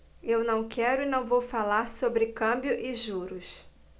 eu não quero e não vou falar sobre câmbio e juros